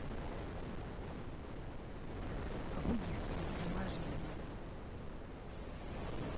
выйди из своего приложения